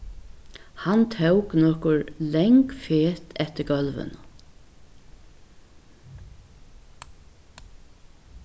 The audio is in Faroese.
hann tók nøkur lang fet eftir gólvinum